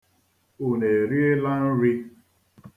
Unu eriela nri?